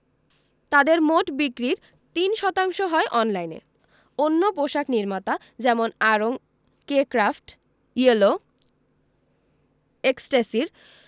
তাঁদের মোট বিক্রির ৩ শতাংশ হয় অনলাইনে অন্য পোশাক নির্মাতা যেমন আড়ং কে ক্র্যাফট ইয়েলো এক্সট্যাসির